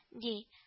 — ди